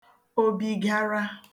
obigara